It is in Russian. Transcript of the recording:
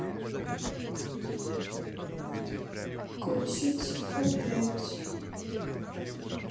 включить а пять